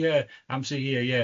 Ie, amser hir ie.